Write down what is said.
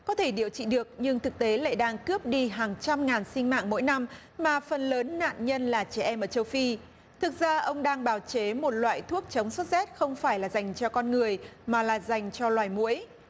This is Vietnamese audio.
có thể điều trị được nhưng thực tế lại đang cướp đi hàng trăm ngàn sinh mạng mỗi năm mà phần lớn nạn nhân là trẻ em ở châu phi thực ra ông đang bào chế một loại thuốc chống sốt rét không phải là dành cho con người mà là dành cho loài muỗi